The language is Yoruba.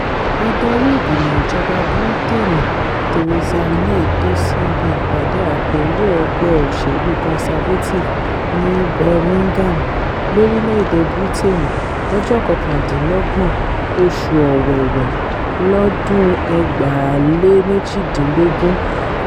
Adarí Ìgbìmọ̀ Ìjọba Briteeni Theresa May dé síbi ipade Àpèro Ẹgbẹ́ Òṣèlu Conservàtive ní Birmingham, lórilẹ-ede Briteeni, lọ́jọ́ kọkàndínlọ́gbọ́n, oṣù Ọ̀wẹ̀wẹ̀, lọ́dún 2018.